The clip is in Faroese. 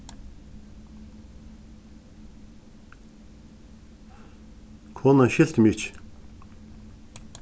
konan skilti meg ikki